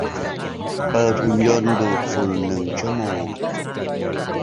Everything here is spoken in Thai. เปิดหุ่นยนต์ดูดฝุ่นหนึ่งชั่วโมง